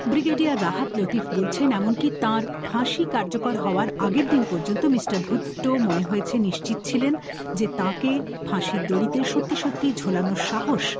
brigadier Rahat Latif বলছেন এমনকি তার ফাঁসি কার্যকর হওয়ার আগের দিন পর্যন্ত মিস্টার ভুট্টো মনে হয়েছে নিশ্চিৎ ছিলেন তাকে ফাঁসির দড়িতে সত্যি সত্যি ঝুলানোর সাহস